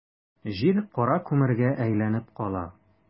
Җир кара күмергә әйләнеп кала.